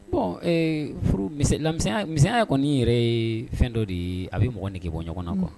Bon ee furu lamisɛnya misɛnya kɔni yɛrɛ ye fɛn dɔ de ye a bɛ mɔgɔ de nege bɔ ɲɔgɔn na quoi